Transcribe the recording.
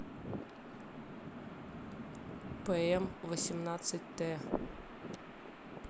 пм семнадцать т